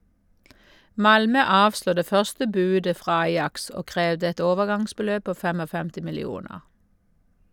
Malmö avslo det første budet fra Ajax og krevde et overgangsbeløp på 55 millioner.